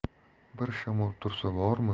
bir shamol tursa bormi